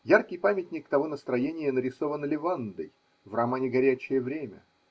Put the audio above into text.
Яркий памятник того настроения нарисован Ле-вандой в романе Горячее время.